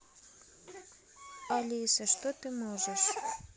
алиса что ты можешь